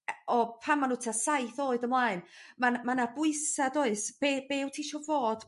e- o pan ma' nw tua saith oed ymlaen ma' n- ma' 'na bwysa does? Be' be' wt tisio fod